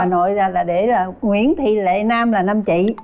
nội là là để là nguyễn thị lệ nam là nam chị